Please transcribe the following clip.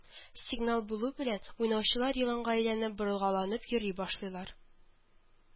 Сигнал булу белән, уйнаучылар еланга әйләнеп боргаланып йөри башлыйлар